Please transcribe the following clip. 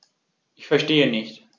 Ich verstehe nicht.